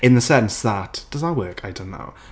In the sense that... does that work? I don't know.